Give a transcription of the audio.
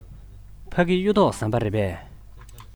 ཕ གི གཡུ ཐོག ཟམ པ རེད པས